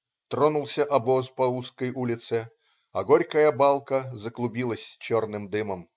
Тронулся обоз по узкой улице, а Горькая Балка заклубилась черным дымом.